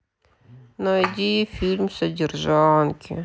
найди фильм содержанки